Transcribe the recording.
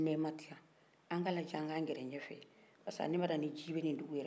an t'a lajɛ kan gɛrɛ ɲɛfɛ parce que ne ma dala ko jii bɛ nin dugu yɛrɛ la